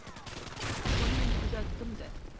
Шуны мин күзәттем дә.